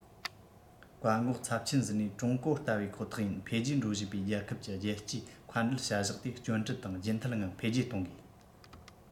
བཀག འགོག ཚབས ཆེན བཟོས ནས ཀྲུང གོ ལྟ བུའི ཁོ ཐག ཡིན འཕེལ རྒྱས འགྲོ བཞིན པའི རྒྱལ ཁབ ཀྱི རྒྱལ སྤྱིའི མཁའ འགྲུལ བྱ གཞག དེ སྐྱོན བྲལ དང རྒྱུན མཐུད ངང འཕེལ རྒྱས གཏོང དགོས